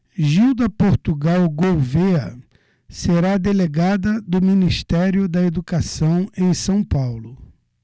gilda portugal gouvêa será delegada do ministério da educação em são paulo